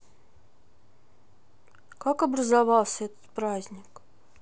как образовался этот праздник